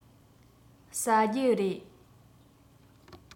ཟ རྒྱུ རེད